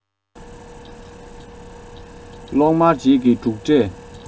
གློག དམར རྗེས ཀྱི འབྲུག སྒྲས